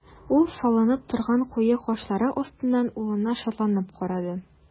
Ул салынып торган куе кашлары астыннан улына шатланып карады.